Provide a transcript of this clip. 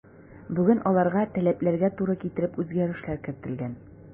Бүген аларга таләпләргә туры китереп үзгәрешләр кертелгән.